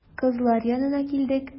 Кызлар янына килдек.